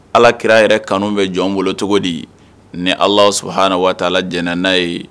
Alaki yɛrɛ kanu bɛ jɔn bolo cogo di ni ala sɔnna h waati j n'a ye